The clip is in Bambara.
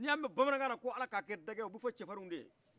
bmanankan na ko ala ka a kɛ dajɛ ye o bɛ fɔ cɛfarinw de ye